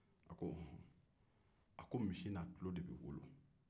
a ko misi n'a tullo de bɛ wolo